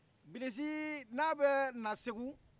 bilisi n'a bɛ na segu